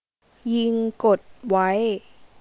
ยิงกดไว้